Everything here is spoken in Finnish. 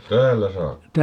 täällä saakka